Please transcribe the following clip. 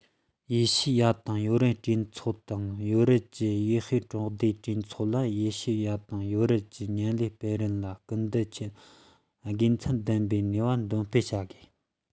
ཨེ ཤེ ཡ དང ཡོ རོབ གྲོས ཚོགས དང ཡོ རོབ ཀྱི དབྱི ཧུའེ རོགས ཟླའི གྲོས ཚོགས ལ ཨེ ཤེ ཡ དང ཡོ རོབ ཀྱི མཉམ ལས འཕེལ རིམ ལ སྐུལ འདེད གཏོང ཆེད དགེ མཚན ལྡན པའི ནུས པ འདོན སྤེལ བྱ དགོས